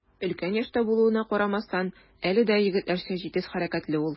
Өлкән яшьтә булуына карамастан, әле дә егетләрчә җитез хәрәкәтле ул.